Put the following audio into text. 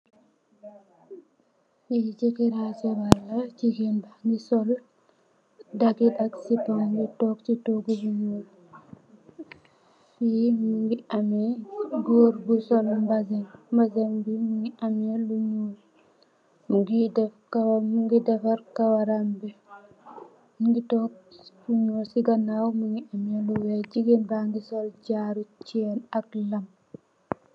Fii jëkër ak Jabar la, jigéen baa ngi sol daggit ak sippam ñu toog si toogu yu ñuul, fii ñu ngi amee, Goor bu sol mbessenge, mbessenge bu mu ngi amee lu ñuul, mu ngi defar jawaram bi, mu ngi toog, si ganaawam mu ngi am lu weex, jigéen baa ngi sol ceen, jaaru ak lam.